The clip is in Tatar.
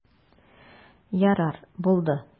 Ярар, булды.